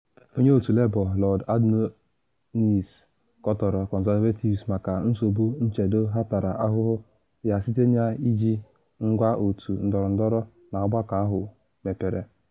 Onye otu Labour Lord Adonis kọtọrọ Conservatives maka nsogbu nchedo ha tara ahụhụ ya site na iji ngwa otu ndọrọndọrọ ka ọgbakọ ahụ mepere.